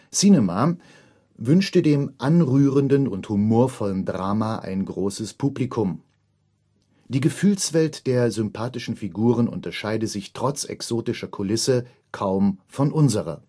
Cinema wünschte dem „ anrührenden und humorvollen “Drama ein großes Publikum. Die Gefühlswelt der sympathischen Figuren unterschiede sich trotz exotischer Kulisse kaum von unserer